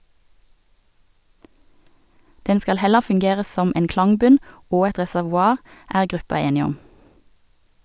Den skal heller fungere som en klangbunn, og et reservoar, er gruppa enig om.